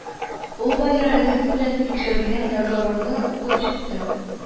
Ул бая Разин белән тикшергән договорны укып чыкты